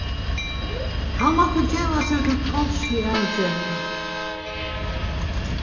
hann mátti geva seg til tols við avgerðina